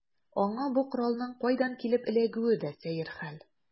Аңа бу коралның кайдан килеп эләгүе дә сәер хәл.